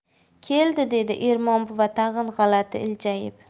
keldi dedi ermon buva tag'in g'alati iljayib